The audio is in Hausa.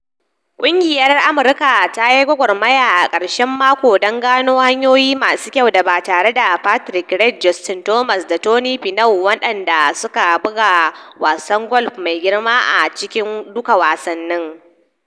Kungiyar Amurka ta yi gwagwarmaya a karshen mako don gano hanyoyi masu kyau da ba tare da Patrick Reed, Justin Thomas da Tony Finau, waɗanda suka buga wasan golf mai girma a cikin duka wasannin.